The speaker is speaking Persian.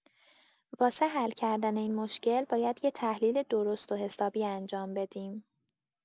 واسه حل کردن این مشکل، باید یه تحلیل درست و حسابی انجام بدیم.